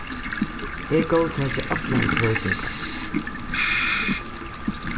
eg góðtaki allar broytingar